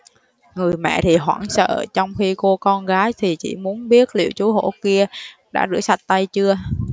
người mẹ thì hoảng sợ trong khi cô con gái thì chỉ muốn biết liệu chú hổ kia đã rửa sạch tay chưa